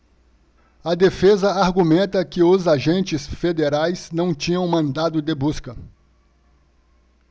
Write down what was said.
a defesa argumenta que os agentes federais não tinham mandado de busca